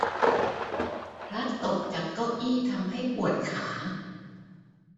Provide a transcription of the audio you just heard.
พลัดตกจากเก้าอี้ทำให้ปวดขา